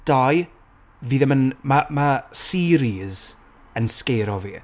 Dau, fi ddim yn, ma' ma' series, yn sgero fi.